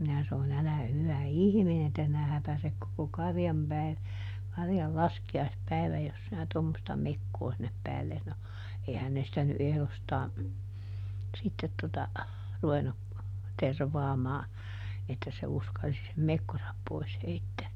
minä sanoin älä hyvä ihminen että sinä häpäiset koko karjan - karjan laskiaispäivän jos sinä tuommoista mekkoa sinne päällesi no eihän ne sitä nyt ehdostaan sitten tuota ruvennut tervaamaan että se uskalsi sen mekkonsa pois heittää